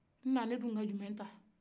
na ne tun ka jumɛn ta